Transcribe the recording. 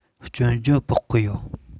སྐྱོན བརྗོད ཕོག གི ཡོད